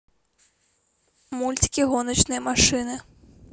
мультики гоночные машинки